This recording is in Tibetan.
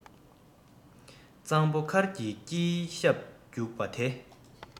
གཙང པོ མཁར གྱི དཀྱིལ ཞབས རྒྱུགས པ དེ